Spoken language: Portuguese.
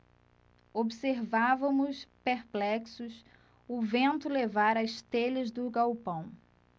observávamos perplexos o vento levar as telhas do galpão